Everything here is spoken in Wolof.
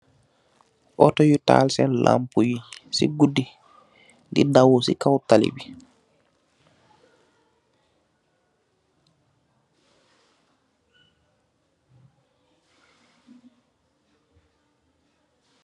Auto yu taal sen lampu yi, si gudih, di daw si kaw talli bi.